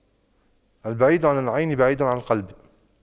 البعيد عن العين بعيد عن القلب